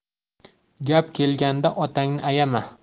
gap kelganda otangni ayama